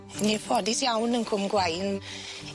Ni'n ffodus iawn yn Cwm Gwaun